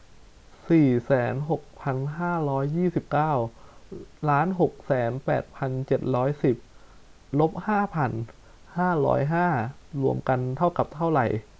สี่แสนหกพันห้าร้อยยี่สิบเก้าล้านหกแสนแปดพันเจ็ดร้อยสิบลบห้าพันห้าร้อยห้ารวมกันเท่ากับเท่าไหร่